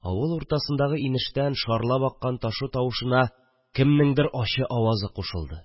Авыл уртасындагы инештән шарлап аккан ташу тавышына кемнеңдер ачы авазы кушылды